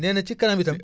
nee na ci